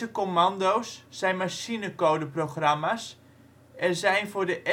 commando 's zijn machinecodeprogramma 's en zijn voor de